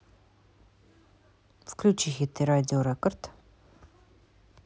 включи хиты радио рекорд